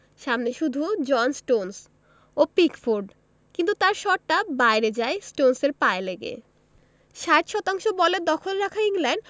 সামনে শুধু John Stones ও পিকফোর্ড কিন্তু তাঁর শটটা বাইরে যায় স্টোনসের পায়ে লেগে ৬০ শতাংশ বলের দখল রাখা ইংল্যান্ড